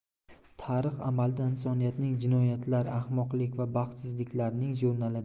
tarix amalda insoniyatning jinoyatlar ahmoqlik va baxtsizliklarining jurnalidir